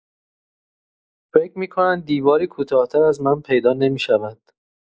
فکر می‌کنند دیواری کوتاه‌تر از من پیدا نمی‌شود.